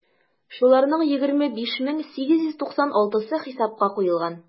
Шуларның 25 мең 896-сы хисапка куелган.